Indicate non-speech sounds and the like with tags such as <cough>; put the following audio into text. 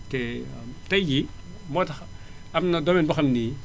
te <hesitation> tay jii moo tax am na domaine boo xam nii